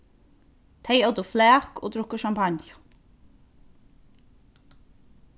tey ótu flak og drukku sjampanju